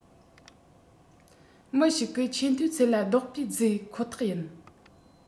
མི ཞིག གིས ཆེ མཐོའི ཚད ལ རྡོག པས བརྫིས ཁོ ཐག ཡིན